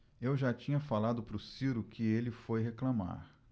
eu já tinha falado pro ciro que ele foi reclamar